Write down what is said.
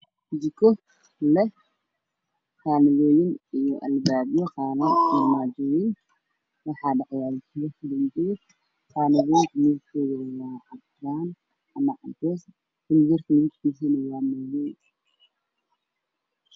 Waajiko waxaa yaalo filinjeer midabkiis yahay midooday waxaa yaalo alaab farabadan miiska jakada waa caddaan